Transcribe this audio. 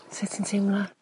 Sut ti'n teimlo?